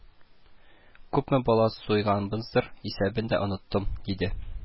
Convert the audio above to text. Күпме бала суйганбыздыр, исәбен дә оныттым, – диде